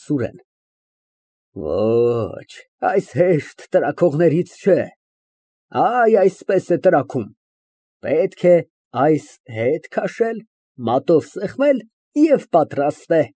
ՍՈՒՐԵՆ ֊ Ոչ, այս հեշտ տրաքողներից չէ։ (Ցույց է տալիս) Այ, այսպես է տրաքում, պետք է այս հետ քաշել, մատով սեղմել, և պատրաստ է։